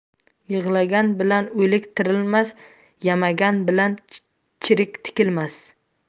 yig'lagan bilan o'lik tirilmas yamagan bilan chirik tikilmas